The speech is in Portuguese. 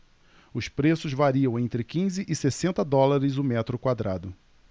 os preços variam entre quinze e sessenta dólares o metro quadrado